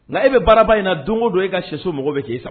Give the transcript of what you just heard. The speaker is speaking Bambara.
Nka e bɛ baaraba in na don o don e ka si mɔgɔ bɛ kɛ' sa